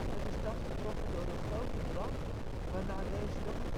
werd de stad getroffen door een grote brand, waarna deze nog